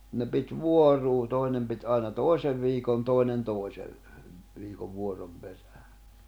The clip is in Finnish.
ne piti vuoroin toinen piti aina toisen viikon toinen toisen viikon vuoron perään